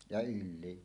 ja ylikin